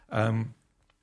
Yym.